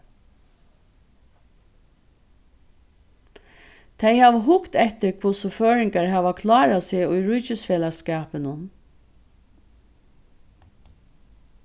tey hava hugt eftir hvussu føroyingar hava klárað seg í ríkisfelagsskapinum